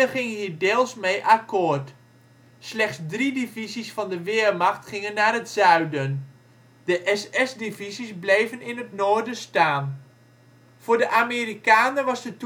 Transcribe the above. ging hier deels mee akkoord. Slechts drie divisies van de Wehrmacht gingen naar het zuiden. De SS-divisies bleven in het noorden staan. Voor de Amerikanen was de